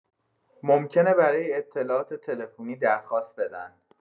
ممکنه برای اطلاعات تلفنی درخواست بدن.